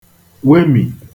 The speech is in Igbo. wemì